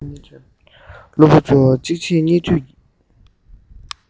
སློབ བུ ཚོ གཅིག རྗེས གཉིས མཐུད